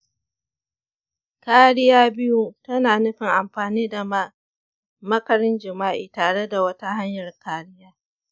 kariya biyu tana nufin amfani da makarin jima’i tare da wata hanyar kariya.